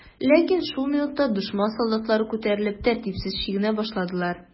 Ләкин шул минутта дошман солдатлары күтәрелеп, тәртипсез чигенә башладылар.